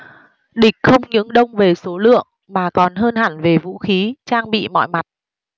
địch không những đông về số lượng mà còn hơn hẳn về vũ khí trang bị mọi mặt